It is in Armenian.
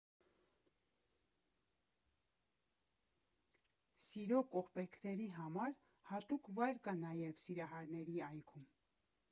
Սիրո կողպեքների համար հատուկ վայր կա նաև Սիրահարների այգում։